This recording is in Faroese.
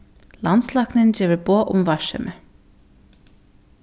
landslæknin gevur boð um varsemi